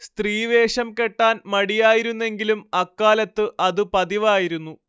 സ്ത്രീവേഷം കെട്ടാൻ മടിയായിരുന്നെങ്കിലും അക്കാലത്ത് അതു പതിവായിരുന്നു